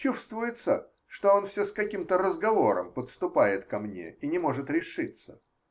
Чувствуется, что он все с каким-то разговором подступает ко мне и не может решиться.